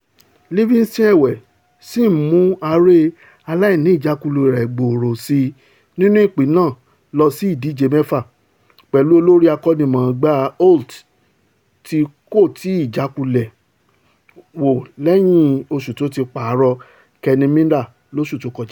Livingston, ẹ̀wẹ̀, sì ń mú aré aílàní-ìjákulẹ̀ rẹ gbòòrò síi nínú ìpín náà lọsí ìdíje mẹ́fà, pẹ̀lú olórí akọ́nimọ̀-ọ́n-gbá Holt tí kò tíì tọ́ ìjákulẹ̀ wo lẹ́yìn tí ó ti pààrọ̀ Kenny Miller lóṣu tó kọjá.